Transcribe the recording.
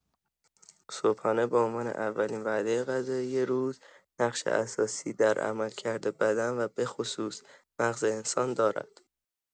صبحانه به‌عنوان اولین وعده غذایی روز، نقشی اساسی در عملکرد بدن و به‌خصوص مغز انسان دارد.